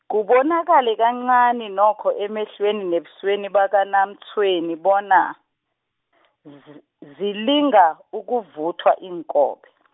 kubonakale kancani nokho emehlweni nebusweni bakaNaMtshweni bona, z- z- zilinga, ukuvuthwa iinkobe .